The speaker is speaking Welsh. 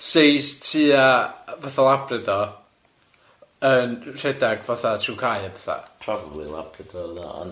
Seis tua fatha labrador yn rhedeg fatha trw'n cae a petha. Probably Labrador odd o, ond.